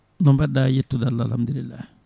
no mbaɗɗa yettude Allah alahamdulillahi